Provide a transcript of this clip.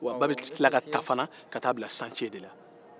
ba be tila ka ta fana ka taa bila santier de la